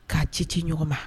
K'a ci ci ɲɔgɔn ma